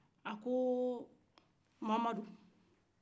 a ko mahamadu